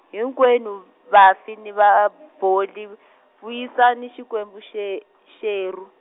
hinkwenu, vafi ni va -aboli, vuyisani xikwembu xe- xerhu.